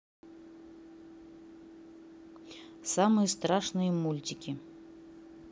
самые страшные мультики